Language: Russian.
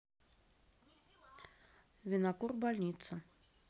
винокур больница